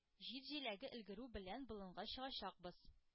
Җир җиләге өлгерү белән, болынга чыгачакбыз.